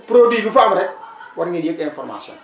produit bu fa am rek war ngeen yëg information